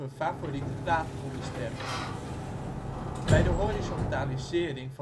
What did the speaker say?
favoriete plaat konden stemmen. Bij de horizontalisering